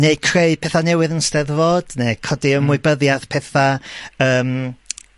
neu creu petha newydd yn 'steddfod neu codi ymwybyddiaeth petha yym.